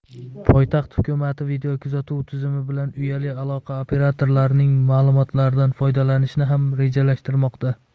poytaxt hukumati videokuzatuv tizimi bilan uyali aloqa operatorlarning ma'lumotlaridan foydalanishni ham rejalashtirmoqda